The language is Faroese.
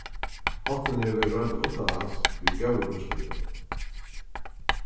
hátturin hevur verið royndur uttanlands við góðum úrslitum